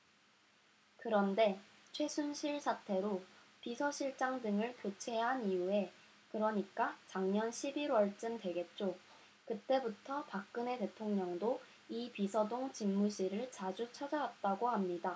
그런데 최순실 사태로 비서실장 등을 교체한 이후에 그러니까 작년 십 일 월쯤 되겠죠 그때부터 박근혜 대통령도 이 비서동 집무실을 자주 찾아왔다고 합니다